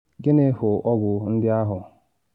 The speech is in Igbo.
“Gịnị hụ ọgwụ ndị ahụ?